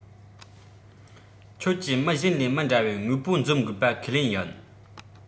ཁྱོད ཀྱིས མི གཞན ལས མི འདྲ བའི དངོས པོ འཛོམས དགོས པ ཁས ལེན ཡིན